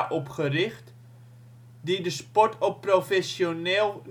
opgericht, die de sport op professioneel